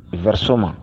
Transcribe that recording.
Ilɛso ma